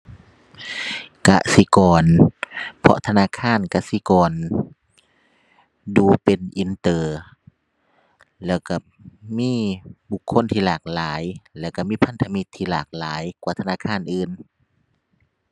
กสิกร เพราะธนาคารกสิกรดูเป็นอินเตอร์ แล้วก็มีบุคคลที่หลากหลาย แล้วก็มีพันธมิตรที่หลากหลายกว่าธนาคารอื่น